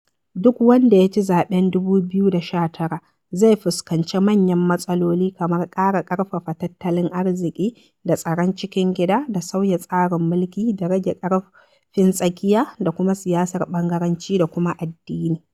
Duk wanda yaci zaɓen 2019 zai fuskance manyan matsaloli kamar ƙara ƙarfafa tattalin arziƙi da tsaron cikin gida da sauya tsarin mulki da rage ƙarfin tsakiya da kuma siyasar ɓangaranci da kuma addini.